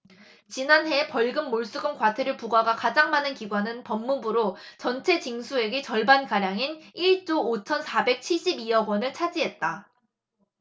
지난해 벌금 몰수금 과태료 부과가 가장 많은 기관은 법무부로 전체 징수액의 절반가량인 일 조 오천 사백 칠십 이 억원을 차지했다